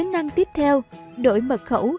tính năng tiếp theo đó là đổi mật khẩu